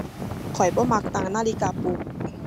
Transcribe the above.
ข้อยบ่มักตั้งนาฬิกาปลุก